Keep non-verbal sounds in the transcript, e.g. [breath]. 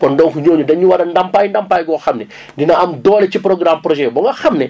kon donc ñooñu dañ ñu war a dàmpaay dàmpaay goo xam ne [breath] dina am doole ci programme projet yooyu ba nga xam ne